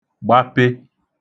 gbape